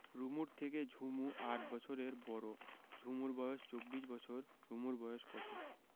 রুমুর থেকে ঝুমু ৮ বছরের বড় ঝুমুর বয়স ২৪ বছর রুমুর বয়স কত